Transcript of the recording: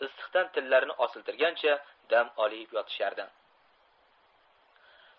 issiqdan tillarini osiltirgancha dam olib yotishardi